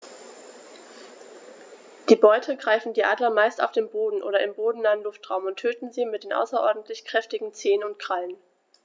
Die Beute greifen die Adler meist auf dem Boden oder im bodennahen Luftraum und töten sie mit den außerordentlich kräftigen Zehen und Krallen.